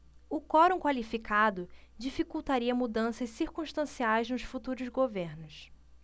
o quorum qualificado dificultaria mudanças circunstanciais nos futuros governos